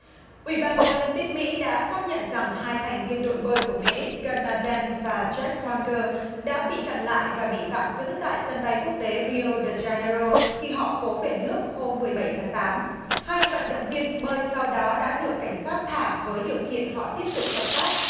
ủy ban ô lim píc mỹ đã xác nhận rằng hai thành viên đội bơi của mỹ gơn na ben và chếch con gơ đã bị chặn lại và bị tạm giữ tại sân bay quốc tế ri ô đờ gian nê ô khi họ cố về nước hôm mười bảy tháng tám hai vận động viên bơi sau đó đã được cảnh sát thả với điều kiện họ tiếp tục hợp tác